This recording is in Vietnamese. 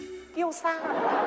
kiêu sa